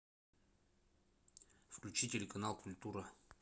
включи телеканал культура